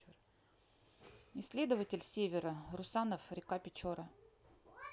исследователь северо русанов река печора